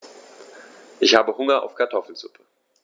Ich habe Hunger auf Kartoffelsuppe.